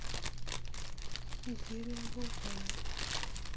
изделия вулкана